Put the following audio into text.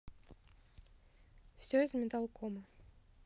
все из металлкома